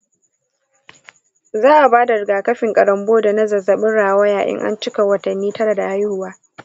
za'a bada rigakafin karonbo da na zazzabin rawaya in an cika watanni tara da haihuwa.